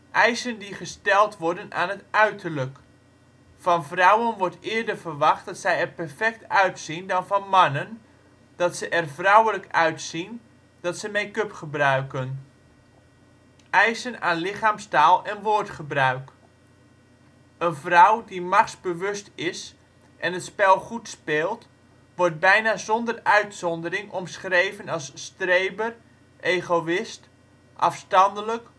eisen die gesteld worden aan het uiterlijk. Van vrouwen wordt eerder verwacht dat zij er perfect uitzien dan van mannen, dat ze er ' vrouwelijk ' uitzien, dat ze make-up gebruiken. eisen aan lichaamstaal en woordgebruik. Een vrouw die machtsbewust is en het spel goed speelt wordt bijna zonder uitzondering omschreven als streber, egoïst, afstandelijk